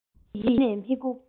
གཉིད ཡེ ནས མི ཁུག